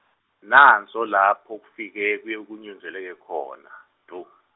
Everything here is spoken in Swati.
nanso lapho kufike, kuyewukunyundzeleka khona, dvu.